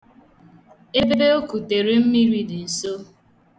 Ebe o kutere mmiri dị nso.